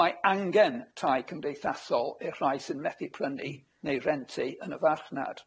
Mae angen tai cymdeithasol i'r rhai sy'n methu prynu neu rentu yn y farchnad.